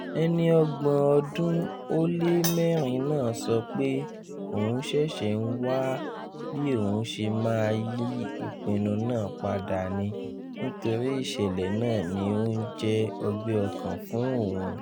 ẹni ọgbọ̀n ọdún ó lé mẹ́rin náà sọ pé òun ṣẹṣẹ̀ ń wá bíòun ṣe máa yí ìpínnu náà padà ní nítorí ìṣẹ̀lẹ̀ náà ni ó ń jẹ́ ọgbẹ́ ọkàn fún òun.